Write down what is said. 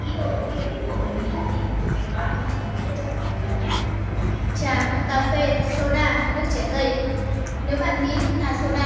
đồ uống ưa thích của người mỹ bạn nghĩ đồ uống yêu thích của người mỹ là gì hãy đoán và cho mình biết trong phần bình luận nhé trà cà phê soda nước trái cây nếu bạn nghĩ rằng soda